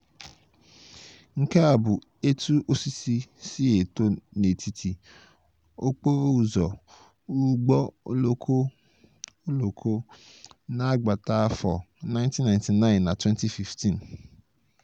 Nke a bụ etu osisi si eto n'etiti okporo ụzọ ụgbọ oloko n'agbata afọ 1999 na 2015...